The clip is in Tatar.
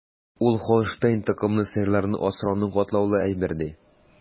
Ул Һолштейн токымлы сыерларны асрауны катлаулы әйбер, ди.